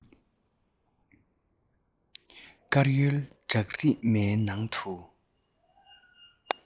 དཀར ཡོལ འབྲུག རིས མའི ནང དུ